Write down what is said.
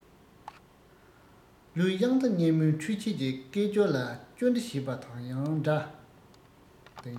གླུའི དབྱངས རྟ སྙན མོས འཕྲུལ ཆས ཀྱི སྐད ཅོར ལ ཅོ འདྲི བྱེད པ དང ཡང འདྲ